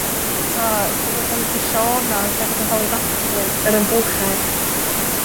t'o' fatha bo' yn ca'l 'i bwshio o 'na yn lle bod o'n ca'l 'i dathlu. Yr amgylchedd.